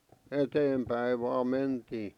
eteenpäin vain mentiin